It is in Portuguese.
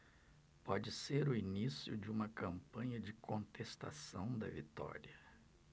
pode ser o início de uma campanha de contestação da vitória